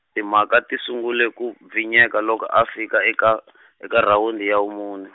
timhaka ti sungule ku bvinyeka loko a fika eka, eka rhawundi ya vumune.